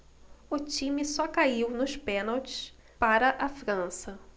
o time só caiu nos pênaltis para a frança